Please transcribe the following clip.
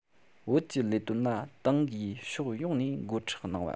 བོད ཀྱི ལས དོན ལ ཏང གིས ཕྱོགས ཡོངས ནས འགོ ཁྲིད གནང བ